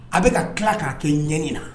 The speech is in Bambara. A bɛka ka tila k'a kɛ ɲɛɲini na